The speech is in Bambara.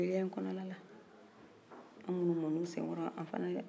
anw minnu mɔ n'u sen kɔro an fana donna kɔnɔ la la an bɛ jeliya la